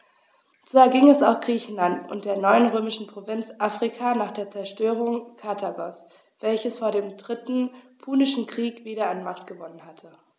So erging es auch Griechenland und der neuen römischen Provinz Afrika nach der Zerstörung Karthagos, welches vor dem Dritten Punischen Krieg wieder an Macht gewonnen hatte.